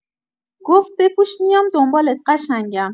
گفت بپوش میام دنبالت قشنگم.